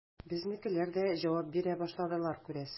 Безнекеләр дә җавап бирә башладылар, күрәсең.